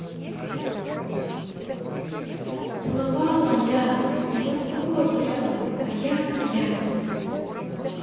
целовала я а я с тобой гулял а я я